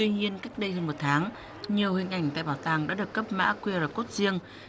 tuy nhiên cách đây hơn một tháng nhiều hình ảnh tại bảo tàng đã được cấp mã quy rờ cốt riêng